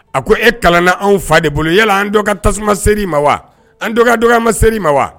A ko e kalan an fa de bolo yala an don ka tasuma seri ma wa an dɔgɔ ka dɔgɔ ma seri ma wa